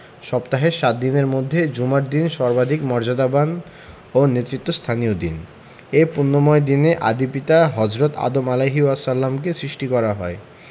সপ্তাহের সাত দিনের মধ্যে জুমার দিন সর্বাধিক মর্যাদাবান ও নেতৃত্বস্থানীয় দিন এ পুণ্যময় দিনে আদি পিতা হজরত আদম আ কে সৃষ্টি করা হয়